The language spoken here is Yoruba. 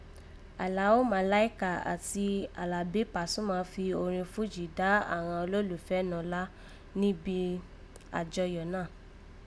Àlàó Màláíkà àti Àlàbí Pàsúmà fi orin fújì dá àghan olólùfẹ́ nọlá nibo àjoyọ̀ náà